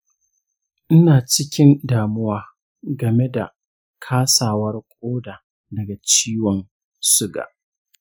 ina cikin damuwa game da kasawar ƙoda daga ciwon suga.